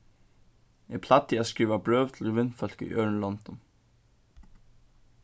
eg plagdi at skriva brøv til vinfólk í øðrum londum